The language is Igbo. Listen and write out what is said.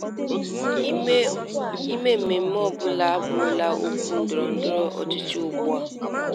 Ime mmemme ọbụla abụrụla okwu ndọrọndọrọ ọchịchị ugbua.